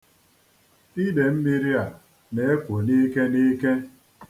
Ide mmiri a na-ekwo n'ike n'ike.